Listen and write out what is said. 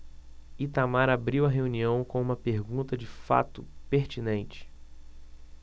itamar abriu a reunião com uma pergunta de fato pertinente